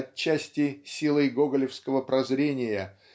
отчасти силой гоголевского прозрения